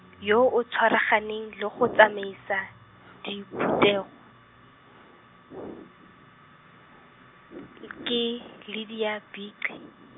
yo o tshwaraganeng lo go tsamaisa , diphetogo, le ke, Lydia Bici.